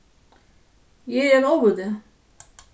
eg eri ein óviti